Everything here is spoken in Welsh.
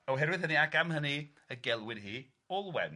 ...oherwydd hynny ac am hynny y gelwid hi Olwen.